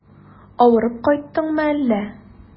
Авырып кайттыңмы әллә?